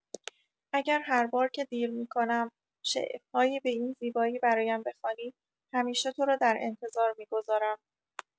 اگر هر بار که دیر می‌کنم شعرهایی به این زیبایی برایم بخوانی، همیشه تو را در انتظار می‌گذارم